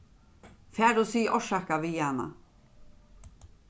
far og sig orsaka við hana